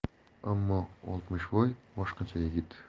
ammo oltmishvoy boshqacha yigit